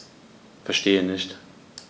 Verstehe nicht.